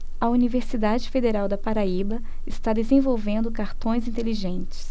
a universidade federal da paraíba está desenvolvendo cartões inteligentes